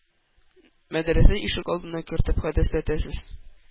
Мәдрәсә ишек алдына кертеп хәдәсләтәсез?